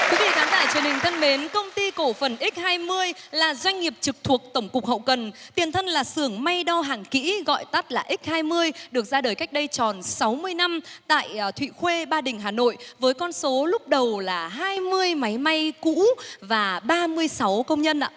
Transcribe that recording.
quý vị khán thân mến công ty cổ phần ích hai mươi là doanh nghiệp trực thuộc tổng cục hậu cần tiền thân là xưởng may đo hàng kỹ gọi tắt là ích hai mươi được ra đời cách đây tròn sáu mươi năm tại thụy khuê ba đình hà nội với con số lúc đầu là hai mươi máy may cũ và ba mươi sáu công nhân ạ